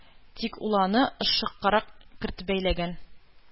Тик ул аны ышыккарак кертеп бәйләгән.